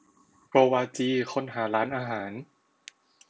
โกวาจีค้นหาร้านอาหาร